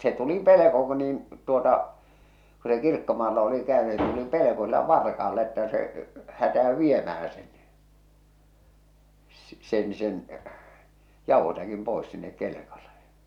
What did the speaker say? se tuli pelko - niin tuota kun se kirkkomaalla oli käynyt se tuli pelko sillä varkaalla että se hätäytyi viemään sen niin - sen sen jauhosäkin pois sinne kelkalle